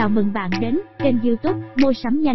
chào mừng bạn đến kênh youtube muasamnhanh